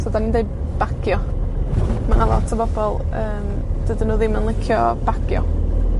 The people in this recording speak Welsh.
So 'dan ni'n deud bagio. Ma' 'na lot o bobol, yym, dydyn nw ddim yn licio bagio.